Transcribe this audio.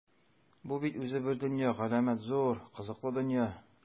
Бу бит үзе бер дөнья - галәмәт зур, кызыклы дөнья!